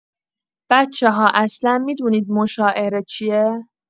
بچه‌ها اصلا می‌دونید مشاعره چیه؟